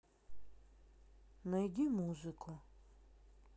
найди музыку